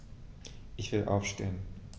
Ich will aufstehen.